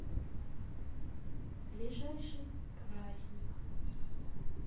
ближайший праздник